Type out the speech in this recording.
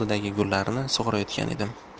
oldidagi gullarni sug'orayotgan edim